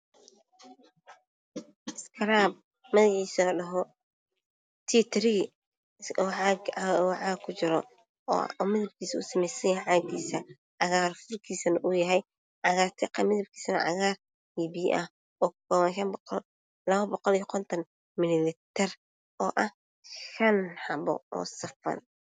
Waa iskaraab magaciisa ladhaho tiitirii oo caag kujiro midabkiisu waa cagaar furkiisana waa cagaar oo labo boqol iyo kontan mililitir oo ah shan xabo oo safan.